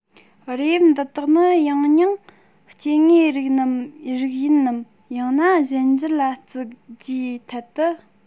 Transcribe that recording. རིགས དབྱིབས འདི དག ནི ཡང སྙིང སྐྱེ དངོས རིགས ཡིན ནམ ཡང ན གཞན འགྱུར ལ བརྩི རྒྱུའི ཐད དུ